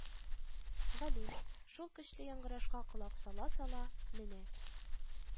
Галим, шул көчле яңгырашка колак сала-сала: «Менә